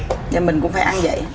và mình cũng phải ăn dậy